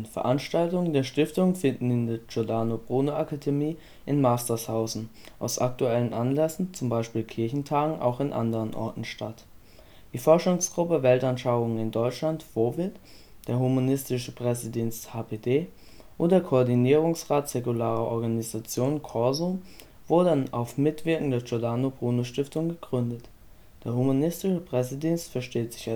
Veranstaltungen der Stiftung finden in der Giordano-Bruno-Akademie in Mastershausen, aus aktuellen Anlässen (z. B. Kirchentagen) auch an anderen Orten statt. Die „ Forschungsgruppe Weltanschauungen in Deutschland “(fowid), der Humanistische Pressedienst (hpd) und der „ Koordinierungsrat säkularer Organisationen “(KORSO) wurden auf Mitwirken der Giordano Bruno Stiftung gegründet. Der Humanistische Pressedienst versteht